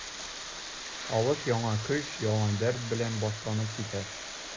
Алыш яңа көч, яңа дәрт белән башланып китә.